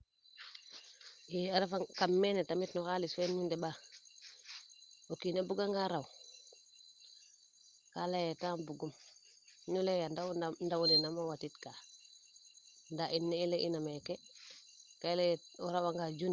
i a refa nga kam meene tamit a refa nga no xalis fee nu neɓa o kiina buga nga raw ka leya yee temps bugum no leye ndaw ne nama watit kaa ndaa in ne i leyit ina meeke ka i leya nga o rawa nga